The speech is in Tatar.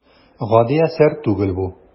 Гади әсәр түгел бу.